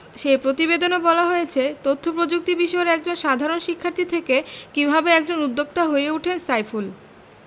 সেই প্রতিবেদনে বলা হয়েছে তথ্যপ্রযুক্তি বিষয়ের একজন সাধারণ শিক্ষার্থী থেকে কীভাবে একজন উদ্যোক্তা হয়ে ওঠেন সাইফুল